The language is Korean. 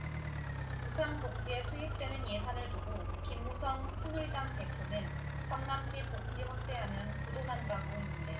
무상 복지에 투입되는 예산을 두고 김무성 새누리당 대표는 성남시 복지확대하면 부도 난다고 했는데